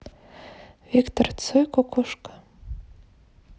виктор цой кукушка